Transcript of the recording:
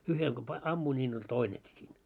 yhdellä kun - ammuin niin oli toinenkin siinä